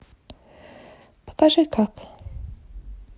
покажи как